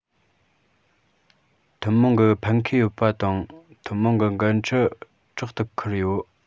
ཐུན མོང གི ཕན ཁེ ཡོད པ དང ཐུན མོང གི འགན འཁྲི ཕྲག ཏུ ཁུར ཡོད